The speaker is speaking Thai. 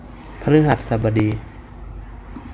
พฤหัสบดี